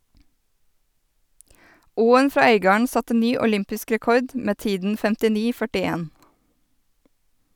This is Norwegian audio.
Oen fra Øygarden satte ny olympisk rekord med tiden 59,41.